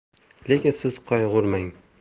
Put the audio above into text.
lekin siz qayg'urmang